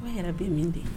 K'i yɛrɛ bɛ min de?